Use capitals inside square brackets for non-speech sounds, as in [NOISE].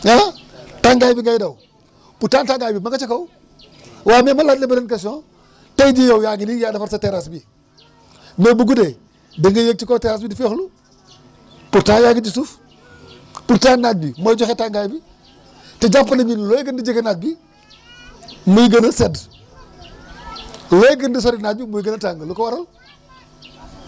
ah tàngaay bi ngay daw pourtant tàngaay bi ma nga ca kaw [BREATH] waaye mais ma laaj la beneen question tey jii yow yaa ngi nii yaa defar sa terraasse bi [BREATH] mais bu guddee da ngay yéeg ci kaw terrasse bi di fi féexlu pourtant yaa ngi ci suuf pourtant naaj bi mooy joxe tàngaay bi te jàpp nañ looy gën di jege naaj bi muy gën a sedd looy gën di sori naaj bi muy gën a tàng lu ko waral